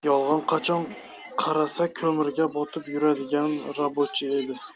yolg'on qachon qarasa ko'mirga botib yuradigan rabochiy edi